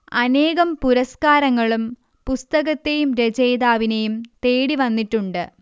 അനേകം പുരസ്കരങ്ങളും പുസ്തകത്തെയും രചയിതാവിനെയും തേടിവന്നിട്ടുണ്ട്